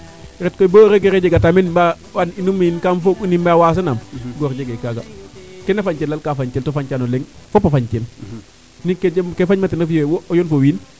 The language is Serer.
ret koy bo regret jega ta meen mbaa an inu miin kam foog inu miin mbaa wasanaam gor jegee kaaga keena fañ tel daal kaa fañ tel to fañtaano leŋ fopa fañ tel ndiiki ke fañma tenb refu ye o yoon fo wiin